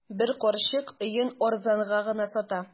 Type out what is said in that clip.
Бер карчык өен арзанга гына сата.